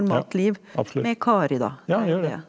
ja absolutt ja han gjør det.